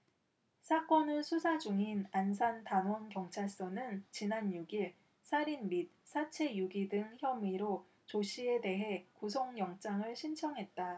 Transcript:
사건을 수사중인 안산단원경찰서는 지난 육 일 살인 및 사체유기 등 혐의로 조씨에 대해 구속영장을 신청했다